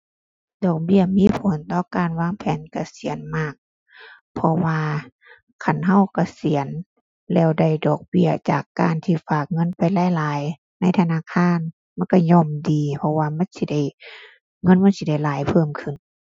ดอกเบี้ยมีผลต่อการวางแผนเกษียณมาก เพราะว่าคันเราเกษียณแล้วได้ดอกเบี้ยจากการที่ฝากเงินไปหลายหลายในธนาคาร มันเราย่อมดี เพราะว่ามันสิได้ เงินมันสิได้หลายเพิ่มขึ้น